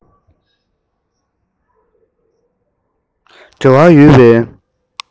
འབྲེལ བ ཡོད པའི